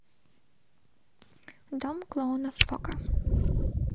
дом клоунов фока